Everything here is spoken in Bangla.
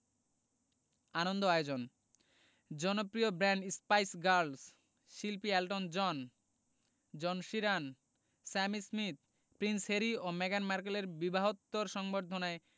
আনন্দ আয়োজন জনপ্রিয় ব্যান্ড স্পাইস গার্লস শিল্পী Elton John John Sheeran Sam Smith Prince Harry ও মেগান মার্কেলের বিবাহোত্তর সংবর্ধনায়